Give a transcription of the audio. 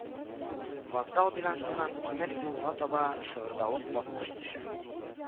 Вокзал бинасыннан тимер юлга таба шыгырдавык баскыч төшә